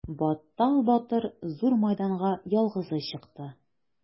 Баттал батыр зур мәйданга ялгызы чыкты.